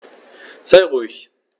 Sei ruhig.